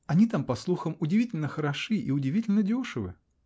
-- Они там, по слухам, удивительно хороши и удивительно дешевы!